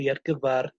gyfweld di ar gyfar